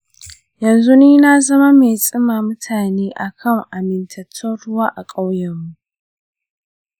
yanzu ni na zama mai tsima mutane akan amintattun ruwa a ƙauyena.